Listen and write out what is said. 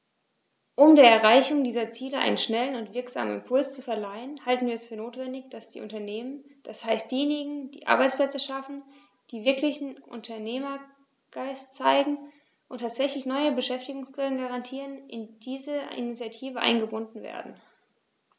Um der Erreichung dieser Ziele einen schnellen und wirksamen Impuls zu verleihen, halten wir es für notwendig, dass die Unternehmer, das heißt diejenigen, die Arbeitsplätze schaffen, die wirklichen Unternehmergeist zeigen und tatsächlich neue Beschäftigungsquellen garantieren, in diese Initiative eingebunden werden.